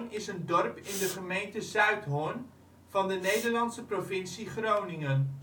is een dorp in de gemeente Zuidhorn van de Nederlandse provincie Groningen